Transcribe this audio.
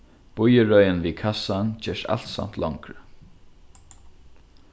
bíðirøðin við kassan gerst alsamt longri